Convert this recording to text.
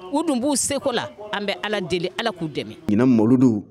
U dun b'u seko la an bɛ ala deli ala k'u dɛmɛ ɲin malo don